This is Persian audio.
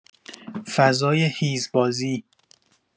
فضای هیزبازی